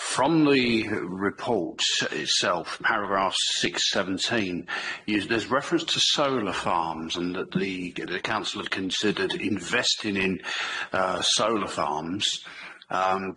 From the report itself paragraph six seventeen is there's reference to solar farms and that the the council had considered investing in yy solar farms um,